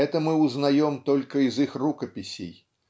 это мы узнаем только из их рукописей